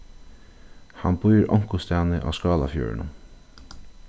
hann býr onkustaðni á skálafjørðinum